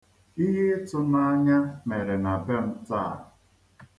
Ihe ịtụnanya mere na bem taa.